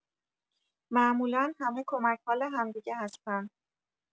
معمولا همه کمک‌حال همدیگه هستن.